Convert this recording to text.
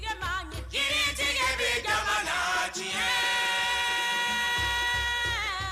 Denbasonin tiletigɛ bɛ jago diɲɛ